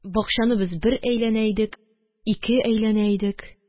Бакчаны без бер әйләнә идек, ике әйләнә идек.